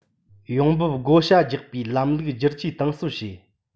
ཡོང འབབ བགོ བཤའ རྒྱག པའི ལམ ལུགས བསྒྱུར བཅོས གཏིང ཟབ བྱས